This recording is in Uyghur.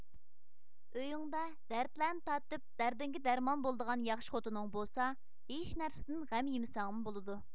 ئۆيۈڭدە دەردلەرنى تارتىپ دەردىڭگە دەرمان بولىدىغان ياخشى خوتۇنۇڭ بولسا ھېچ نەرسىدىن غەم يېمىسەڭمۇ بولىدۇ